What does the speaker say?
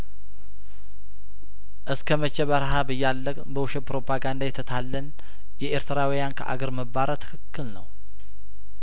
እስከመቼ በረሀብ እያለቅን በውሸት ፕሮፓጋንዳ እየተታለልን የኤርትራውያን ከአገር መባረር ትክክል ነው